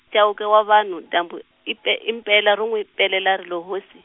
Chauke wa vanhu dyambu ipe- impela ro n'wi, pelela ri lo hosi.